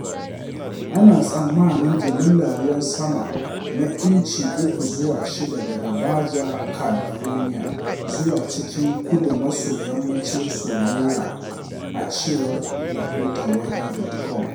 “Ana tsammanin jimillar ruwan sama na incina 3 zuwa 6 daga Baja California zuwa cikin kudu-maso-yammacin Sonora,” a cewar rahoton weather.com.